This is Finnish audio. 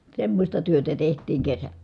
semmoista työtä tehtiin kesä